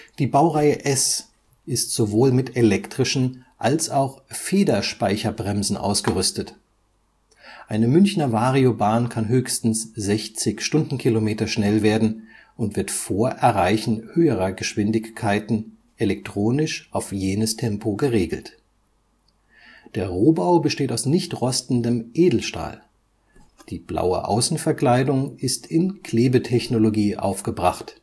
Die Baureihe S ist sowohl mit elektrischen, als auch Federspeicherbremsen ausgerüstet. Eine Münchner Variobahn kann höchstens 60 km/h schnell werden und wird vor Erreichen höherer Geschwindigkeiten elektronisch auf jenes Tempo geregelt. Der Rohbau besteht aus nichtrostendem Edelstahl; die blaue Außenverkleidung ist in Klebetechnologie aufgebracht